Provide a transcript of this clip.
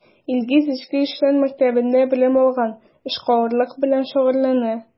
Илгиз Эчке эшләр мәктәбендә белем алган, эшкуарлык белән шөгыльләнә.